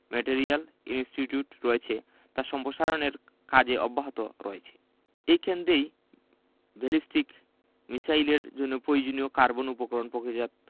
material institute রয়েছে তার সম্প্রসারণের কাজ অব্যাহত রয়েছে এই কেন্দ্রেই ব্যালিস্টিক মিসাইলের জন্য প্রয়োজনীয় কার্বন উপকরণ প্রক্রিয়াজাত